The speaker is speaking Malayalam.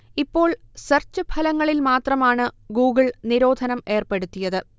ഇപ്പോൾ സെർച്ച് ഫലങ്ങളിൽ മാത്രമാണ് ഗൂഗിൾ നിരോധനം ഏർപ്പെടുത്തിയത്